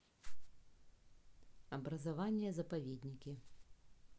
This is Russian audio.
образование заповедники